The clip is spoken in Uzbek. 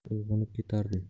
uyg'onib ketardim